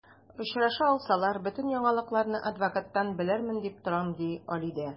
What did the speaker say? Очраша алсалар, бөтен яңалыкларны адвокаттан белермен дип торам, ди Алидә.